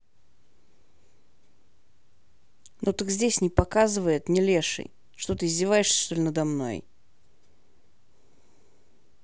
ну так здесь не показывает не леший что ты издеваешься что ли надо мной